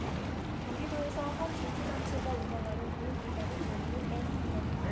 경기도에서 한 종교단체가 운영하는 교육기관에 다니는 앤이 그렇다